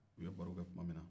u ye barokɛ tuma minna